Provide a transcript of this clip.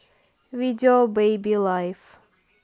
видео бейби лайф